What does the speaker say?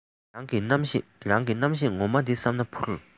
རང གི རྣམ ཤེས ངོ མ དེ བསམ ན འཕུར